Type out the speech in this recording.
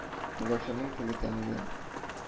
Миләүшәнең теле тәмле